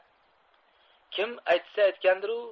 kim aytsa aytgandiru